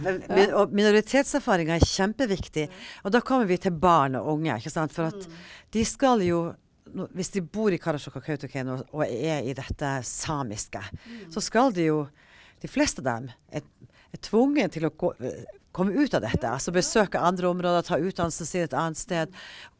for vi og minoritetserfaringa er kjempeviktig, og da kommer vi til barn og unge ikke sant, for at de skal jo nå hvis de bor i Karasjok og Kautokeino og er i dette samiske så skal de jo de fleste av dem er er tvunget til å gå komme ut av dette, altså besøke andre områder, ta utdannelsen sin et annet sted.